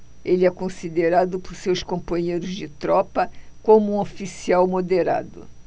ele é considerado por seus companheiros de tropa como um oficial moderado